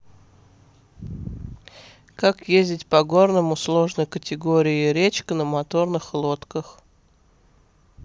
как ездить по горному сложной категории речка на моторных лодках